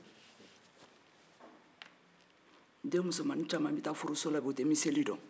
den musomannnin caman bɛ taa furuso la bi u tɛ miseli dɔn